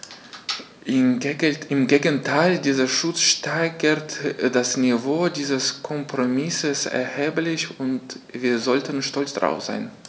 Im Gegenteil: Dieser Schutz steigert das Niveau dieses Kompromisses erheblich, und wir sollten stolz darauf sein.